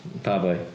Pa boi?